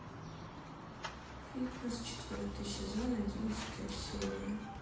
фитнес четвертый сезон одиннадцатая серия